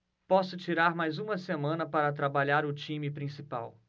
posso tirar mais uma semana para trabalhar o time principal